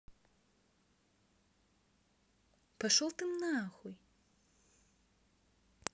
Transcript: пошел ты нахуй